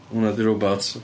Hwnna 'di'r robot.